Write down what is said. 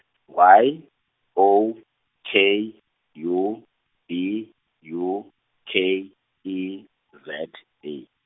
Y, O, K, U, B, U, K, E, Z, A.